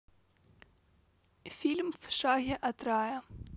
фильм в шаге от рая